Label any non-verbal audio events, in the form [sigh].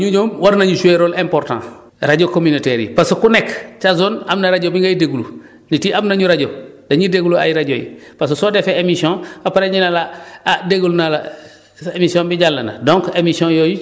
voilà ñooñu ñoom war nañu jouer rôle important rajo communautaires yi parce que ku nekk sa zone am na rajo bi ngay déglu nit yi am nañu rajo dañuy déglu ay rajo yi parce que soo defee émission [breath] ba pare ñu ne la [breath] ah déglu naa la sa émission bi jàll na